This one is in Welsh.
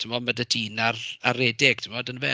Timod ma' 'da ti un ar ar redeg timod, yn dyfe?